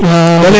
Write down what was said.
wawaw